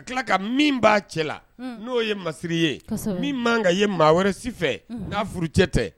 A tila ka min b'a cɛ la n'o ye masiriri ye min man kan ye maa wɛrɛ si fɛ n'a furu cɛ tɛ